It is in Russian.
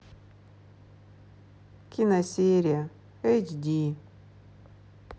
киносерия эйч ди